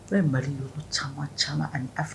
E ye Mali yɔrɔ caman caman ani afi